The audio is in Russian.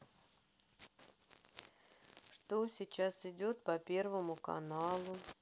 что сейчас идет по первому каналу